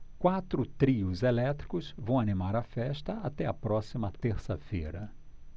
quatro trios elétricos vão animar a festa até a próxima terça-feira